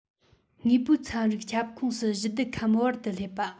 དངོས པོའི ཚན རིག ཁྱབ ཁོངས སུ གཞི རྡུལ ཁམས བར དུ སླེབས པ